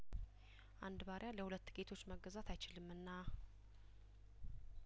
አንድ ባሪያለሁለት ጌቶች መገዛት አይችልምና